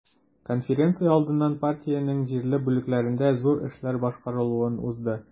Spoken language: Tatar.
Конференция алдыннан партиянең җирле бүлекләрендә зур эшләр башкарылуын узды.